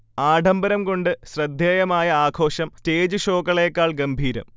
ആഢംബരംകൊണ്ട് ശ്രദ്ധേയമായ ആഘോഷം സ്റ്റേജ് ഷോകളേക്കാൾ ഗംഭീരം